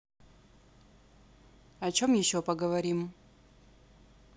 о чем еще поговорим